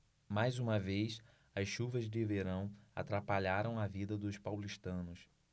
mais uma vez as chuvas de verão atrapalharam a vida dos paulistanos